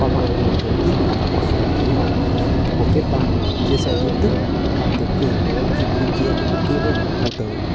qua mọi mùa thời tiết và mọi miền khí hậu cô kết bạn chia sẻ tin tức mang tiếng cười và sự cứu chữa đến bất cứ nơi nào cô tới